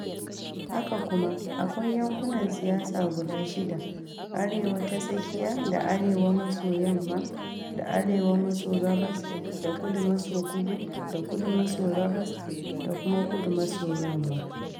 Haka kuma, akwai yankunan siyasa guda shida: Arewa ta Tsakiya da Arewa -Maso-Yamma da Arewa-Maso-Gabas da Kudu-Maso-Kudu da Kudu-Maso-Gabas da kuma kudu-Maso-Yamma.